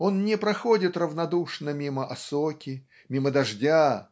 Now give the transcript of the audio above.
он не проходит равнодушно мимо осоки мимо дождя